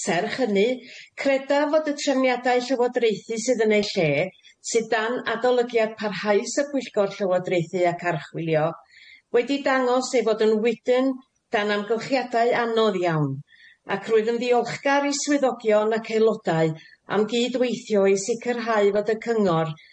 Serch hynny credaf fod y trefniadau llywodraethu sydd yn eu lle sydd dan adolygiad parhaus y Pwyllgor Llywodraethu ac Archwilio wedi dangos ei fod yn wydyn 'dan amgylchiadau anodd iawn ac rwyf yn ddiolchgar i swyddogion ac eulodau am gyd-weithio i sicrhau fod y cyngor